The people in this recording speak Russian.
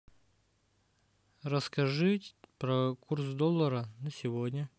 расскажи про курс доллара на сегодня